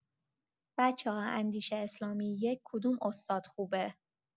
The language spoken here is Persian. بچه‌ها اندیشه اسلامی ۱ کدوم استاد خوبه؟